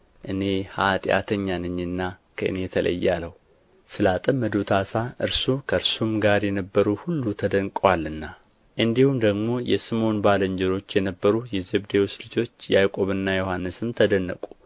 እኔ ኃጢአተኛ ነኝና ከኔ ተለይ አለው ስላጠመዱት ዓሣ እርሱ ከእርሱ ጋርም የነበሩ ሁሉ ተደንቀዋልና እንዲሁም ደግሞ የስምዖን ባልንጀሮች የነበሩ የዘብዴዎስ ልጆች ያዕቆብና ዮሐንስም ተደነቁ